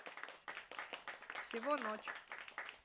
всего ночь